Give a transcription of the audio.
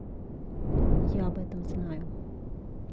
я об этом знаю